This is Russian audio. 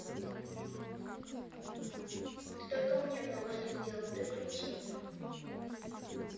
ты только мне много что сделал ты включи